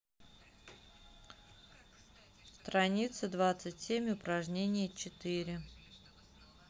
страница двадцать семь упражнение четыре